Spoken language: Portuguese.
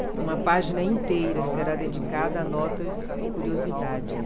uma página inteira será dedicada a notas e curiosidades